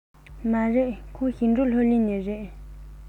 མ རེད ཁོང ཞིང འབྲོག སློབ གླིང ནས རེད